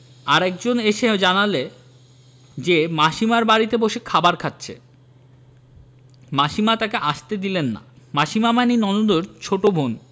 আর একজন এসে জানালে যে মাসীমার বাড়িতে বসে খাবার খাচ্ছে মাসীমা তাকে আসতে দিলেন নামাসিমা মানে নন্দর ছোট বোন